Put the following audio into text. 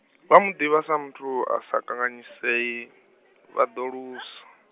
vha muḓivhi sa muthu, a sa kanganyisei, vha ḓo lusa.